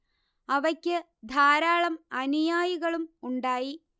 അവയ്ക്ക് ധാരാളം അനുയായികളും ഉണ്ടായി